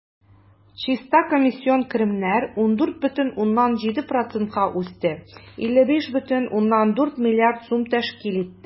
Чиста комиссион керемнәр 14,7 %-ка үсте, 55,4 млрд сум тәшкил итте.